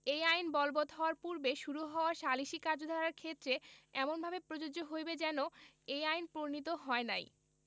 এই আইন বলবৎ হওয়ার পূর্বে শুরু হওয়া সালিসী কার্যধারার ক্ষেত্রে এমনভাবে প্রযোজ্য হইবে যেন এই আইন প্রণীত হয় নাই